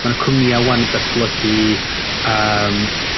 Ma' 'na cwmnia 'wan yn datblygu yym